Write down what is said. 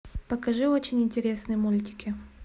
покажи очень интересные мультики